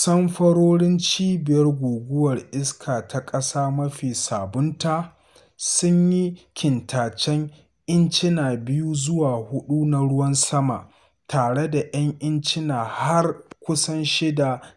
Samfurorin Cibiyar Guguwar Iska ta Ƙasa mafi sabunta sun yi kintacen incina 2 zuwa 4 na ruwan sama, tare da ‘yan incina har kusan 6